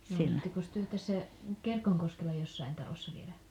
olittekos te tässä Kerkonkoskella jossakin talossa vielä